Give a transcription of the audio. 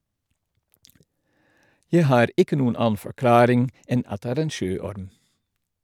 Jeg har ikke noen annen forklaring enn at det er en sjøorm.